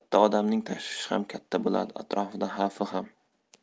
katta odamning tashvishi ham katta bo'ladi atrofidagi xavfi ham